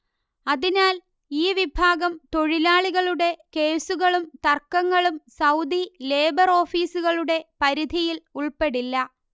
അതിനാൽ ഈ വിഭാഗം തൊഴിലാളികളുടെ കേസുകളും തർക്കങ്ങളും സൗദി ലേബർ ഓഫീസുകളുടെ പരിധിയിൽ ഉൾപ്പെടില്ല